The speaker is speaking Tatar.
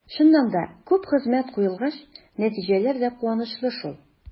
Чыннан да, күп хезмәт куелгач, нәтиҗәләр дә куанычлы шул.